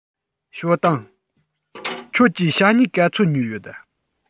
ཞའོ ཏུང ཁྱོད ཀྱིས ཞྭ སྨྱུག ག ཚོད ཉོས ཡོད